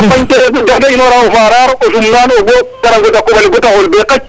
nda de inora o Farare o Soumnane o Mbof a ngara ŋoda koɓale bata xool be qac